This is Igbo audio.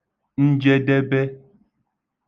njedebe